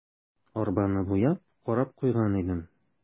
Арбаны буяп, карап куйган идем.